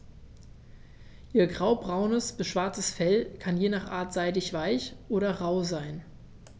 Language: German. Ihr graubraunes bis schwarzes Fell kann je nach Art seidig-weich oder rau sein.